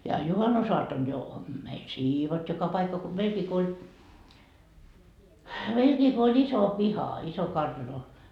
ja juhannusaattona jo meillä siivottiin joka paikka kuin meilläkin kun oli iso piha iso kartano